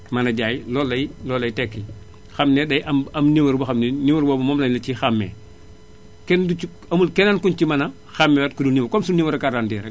mën a jaayi loolu lay loolu lay tekki xam ne day am am numéro boo xam ne nii numéro boobu moom la ñu la ciy xàmmee kenn du ci amul keneen ku ñu ci mën a xàmmewaat ku dul yow comme suñu numéro carte d' identité yi rekk